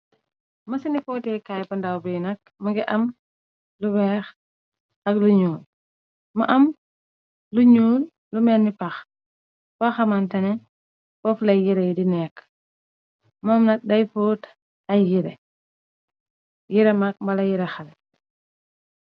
Masini footekaay bu ndaw bi nak, më ngi am lu weex ak lu ñuul, mu am lu ñuul lu melni pax, foo xamantene foof lay yire yi di nekk, moom na day foot ay yire, yire mag mbala yire xale.